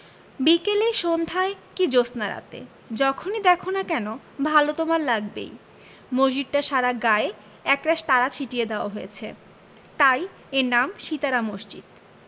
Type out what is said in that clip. বিকেলে সন্ধায় কি জ্যোৎস্নারাতে যখনি দ্যাখো না কেন ভালো তোমার লাগবেই মসজিদটার সারা গায়ে একরাশ তারা ছিটিয়ে দেওয়া হয়েছে তাই এর নাম সিতারা মসজিদ